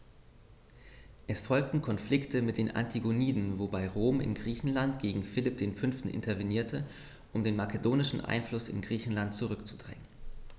Es folgten Konflikte mit den Antigoniden, wobei Rom in Griechenland gegen Philipp V. intervenierte, um den makedonischen Einfluss in Griechenland zurückzudrängen.